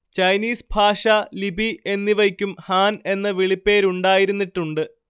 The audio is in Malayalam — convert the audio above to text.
ചൈനീസ് ഭാഷ ലിപി എന്നിവയ്ക്കും ഹാൻ എന്ന വിളിപ്പേരുണ്ടായിരുന്നിട്ടുണ്ട്